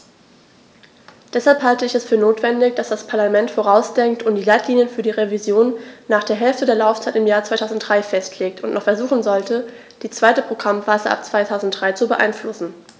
Deshalb halte ich es für notwendig, dass das Parlament vorausdenkt und die Leitlinien für die Revision nach der Hälfte der Laufzeit im Jahr 2003 festlegt und noch versuchen sollte, die zweite Programmphase ab 2003 zu beeinflussen.